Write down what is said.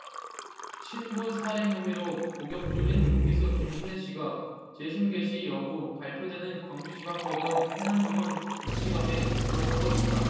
친부 살해 혐의로 복역 중인 무기수 김신혜씨가 재심 개시 여부 발표되는 광주지방법원 해남지원 구치감에 들어서고 있다